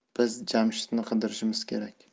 biz jamshidni qidirishimiz kerak